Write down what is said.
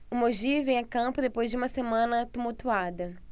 o mogi vem a campo depois de uma semana tumultuada